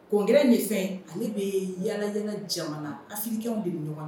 Kokɛ de fɛn ale bɛ yaalay jamana afiw bɛ ɲɔgɔn na